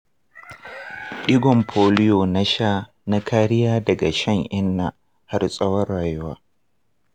digon polio na sha na kariya daga shan inna har tsawon rayuwa